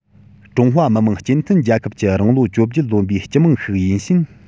ཀྲུང ཧྭ མི དམངས སྤྱི མཐུན རྒྱལ ཁབ ཀྱི རང ལོ བཅོ བརྒྱད ལོན པའི སྤྱི དམངས ཤིག ཡིན ཕྱིན